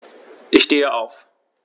Ich stehe auf.